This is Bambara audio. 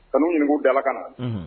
Kanu u ɲiniu dala ka na